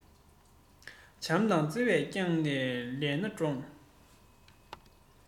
བྱམས དང བརྩེ བས བསྐྱངས ནས ལས སྣ དྲོངས